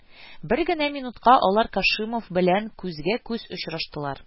Бер генә минутка алар Кашимов белән күзгә-күз очраштылар